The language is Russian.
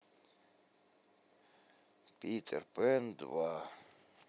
питер пен два